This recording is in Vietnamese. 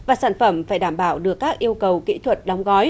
và sản phẩm phải đảm bảo được các yêu cầu kỹ thuật đóng gói